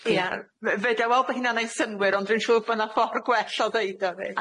Ia fe- fedrai weld bo' hynna'n neud synnwyr ond dwi'n siŵr bo na ffor gwell o ddeud ar hyn.